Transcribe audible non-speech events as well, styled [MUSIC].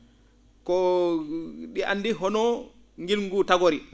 ko [HESITATION] ?i anndi honoo ngilngu nguu tagori